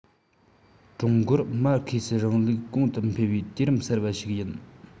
ཀྲུང གོར མར ཁེ སིའི རིང ལུགས གོང དུ འཕེལ བའི དུས རིམ གསར པ ཞིག ཡིན